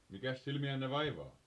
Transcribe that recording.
mikäs silmiänne vaivaa